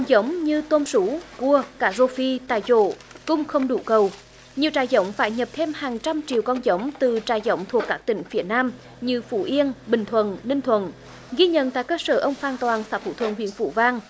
giống như tôm sú cua cá rô phi tại chỗ cung không đủ cầu nhiều trại giống phải nhập thêm hàng trăm triệu con giống từ trại giống thuộc các tỉnh phía nam như phú yên bình thuận ninh thuận ghi nhận tại cơ sở ông phan toàn xã phú thượng huyện phú vang